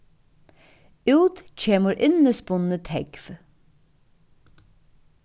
út kemur innispunnið tógv